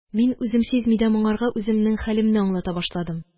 Мин үзем сизми дә моңарга үземнең хәлемне аңлата башладым